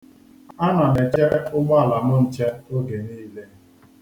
Ana m eche ụgbọala m nche oge niile.